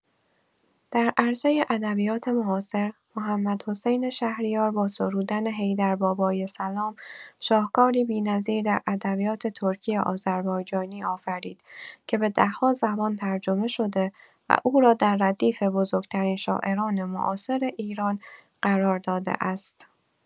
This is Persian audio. در عرصه ادبیات معاصر، محمدحسین شهریار با سرودن «حیدر بابایه سلام» شاهکاری بی‌نظیر در ادبیات ترکی آذربایجانی آفرید که به ده‌ها زبان ترجمه شده و او را در ردیف بزرگ‌ترین شاعران معاصر ایران قرار داده است.